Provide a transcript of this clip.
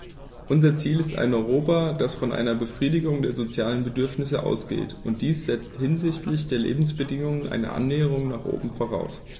Unser Ziel ist ein Europa, das von einer Befriedigung der sozialen Bedürfnisse ausgeht, und dies setzt hinsichtlich der Lebensbedingungen eine Annäherung nach oben voraus.